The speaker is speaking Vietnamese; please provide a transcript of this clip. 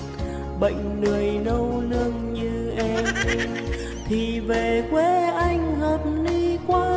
bệnh lười nấu nướng như em thì về quê anh hợp lý quá